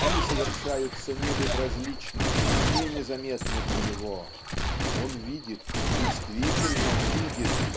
они совершаются не безразлично, не незаметно для него. Он видит действительно видит